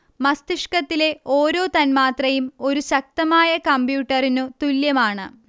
മസ്തിഷ്കത്തിലെ ഓരോ തന്മാത്രയും ഒരു ശക്തമായ കമ്പ്യൂട്ടറിനു തുല്യമാണ്